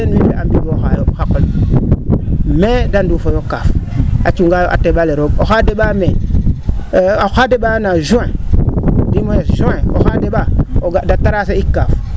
avril ten wiin we a mbigooxa yo xa qol mai de nduufoyo kaaf a cungaa yo a te? ale roog oxaa de?aa Mai oxaa na de?aa no juin juin oxaa de?aa o ga de tracer ik kaaf